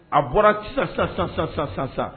A bɔra sisan sisan sisan sisan